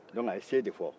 o la a ye se de fɔ